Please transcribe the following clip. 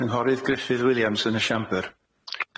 Cynghorydd Gruffydd Williams yn y siambr.